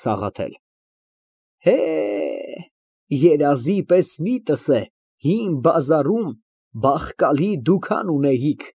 ՍԱՂԱԹԵԼ ֊ Հե, երազի պես միտս է հին բազարում բախկալի դուքան ունեիք։